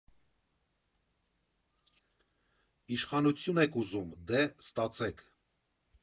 Իշխանություն եք ուզում, դե՛ ստացեք։